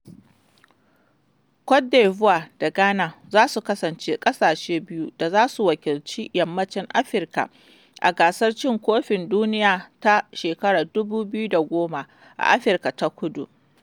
Côte d'Ivoire da Ghana za su kasance ƙasashe biyu da za su wakilci Yammacin Afirka a Gasar Cin Kofin Duniya ta 2010 a Afirka ta Kudu.